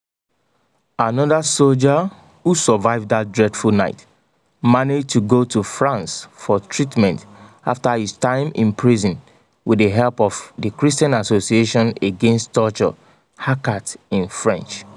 Another soldier who survived that dreadful night managed to go to France for treatment after his time in prison with the help of the Christian Association Against Torture (ACAT in French).